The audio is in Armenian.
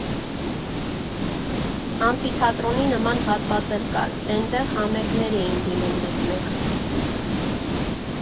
Ամֆիթատրոնի նման հատված էլ կար, էդտեղ էլ համերգներ էին լինում մեկ֊մեկ…